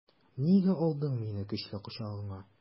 Нигә алдың мине көчле кочагыңа?